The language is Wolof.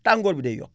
tàngoor bi day yokku